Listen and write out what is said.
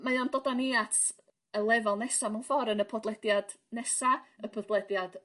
mae am dod a ni at y lefel nesa mewn ffor' yn y podlediad nesa y podlediad